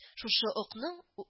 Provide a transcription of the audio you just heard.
Шушы окның